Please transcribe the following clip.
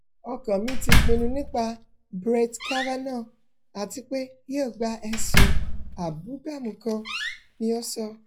'Ọkàn mi ti pinnu nípa Brett Kavanaugj àtipe yóò gba ẹ̀sùn abúgbàmu kan,'' ni o sọ.